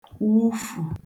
wufù